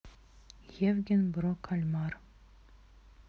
евген бро кальмар